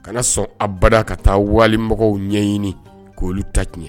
Kana na sɔn abada ka taa walimɔgɔw ɲɛɲini k' oluolu ta tiɲɛ